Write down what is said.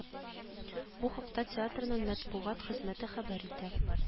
Бу хакта театрның матбугат хезмәте хәбәр итә